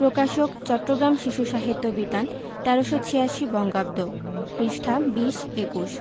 প্রকাশকঃ চট্টগ্রাম শিশু সাহিত্য বিতান ১৩৮৬ বঙ্গাব্দ পৃষ্ঠাঃ ২০ ২১